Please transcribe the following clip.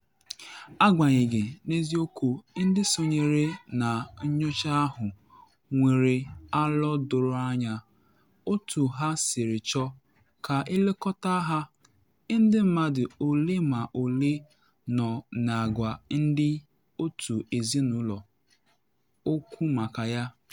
Agbanyeghị n’eziokwu ndị sonyere na nyocha ahụ nwere alo doro anya otu ha siri chọọ ka elekọta ha, ndị mmadụ ole ma ole nọ na agwa ndị otu ezinụlọ okwu maka ya.